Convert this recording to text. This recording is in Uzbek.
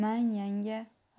mang yanga